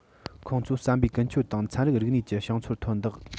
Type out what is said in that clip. ཁོང ཚོའི བསམ པའི ཀུན སྤྱོད དང ཚན རིག རིག གནས ཀྱི བྱང ཚད མཐོར འདེགས